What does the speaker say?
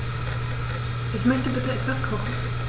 Ich möchte bitte etwas kochen.